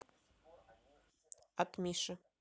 от миши